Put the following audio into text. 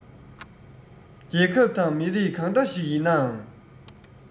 རྒྱལ ཁབ དང མི རིགས གང འདྲ ཞིག ཡིན ནའང